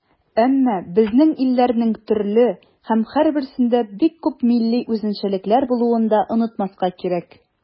Әмма безнең илләрнең төрле һәм һәрберсендә бик күп милли үзенчәлекләр булуын да онытмаска кирәк.